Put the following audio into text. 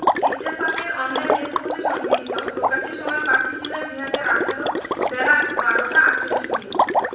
ইত্তফাকের online desk হতে সংগৃহীত প্রকাশের সময় ৫ জুলাই ২০১৮ বেলা১২টা ৪৮ মিনিট